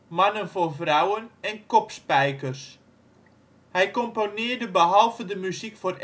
Mannen voor vrouwen en Kopspijkers. Hij componeerde behalve de muziek voor